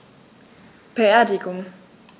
Beerdigung